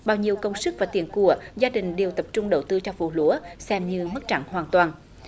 bao nhiêu công sức và tiền của gia đình đều tập trung đầu tư cho vụ lúa xem như mất trắng hoàn toàn